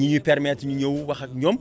ñi ñu permettre ñu ñëw wax ak ñoom